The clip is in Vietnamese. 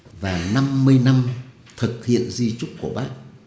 và năm mươi năm thực hiện di chúc của bác